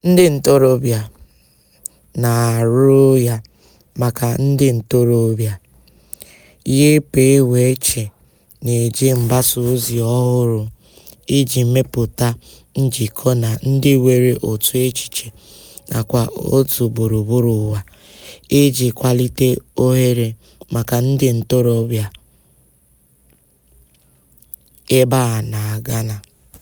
Ndị ntorobịa na-arụ ya, maka ndị ntorobịa, YPWC na-eji mgbasaozi ọhụrụ iji mepụta njikọ na ndị nwere otu echiche nakwa òtù gburugburu ụwa iji kwalite ohere maka ndị ntorobịa ebe a na Ghana.